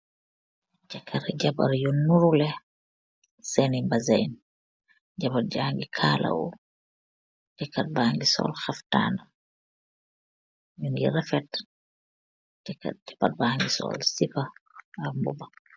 Jehkeer ak jabaar yuu ndirouleh tai tahaw, sol yehreh yuu andaa.